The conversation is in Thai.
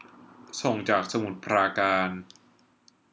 ส่งจากสมุทรปราการ